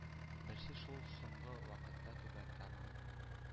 Берсе шул – соңгы вакытта Түбән Каманың